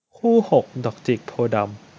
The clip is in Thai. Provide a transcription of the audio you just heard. คู่หกดอกจิกโพธิ์ดำ